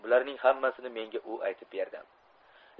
bularning hammasini menga u aytib berdi